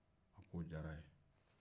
a k'o diyara ye